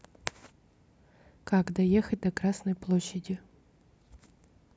как доехать до красной площади